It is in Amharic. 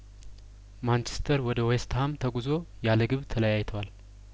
ማንች ስተር ወደ ዌስትሀም ተጉዞ ያለግብ ተለያይቷል